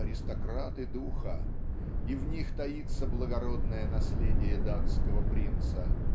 аристократы духа, и в них таится благородное наследие датского принца.